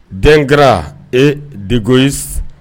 Den kɛra ee deko